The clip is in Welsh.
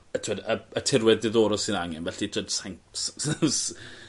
y t'wod y y tirwedd diddorol sydd angen felly t'wod sai'n s- s- s-